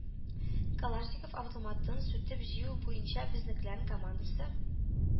Калашников автоматын сүтеп-җыю буенча безнекеләр командасы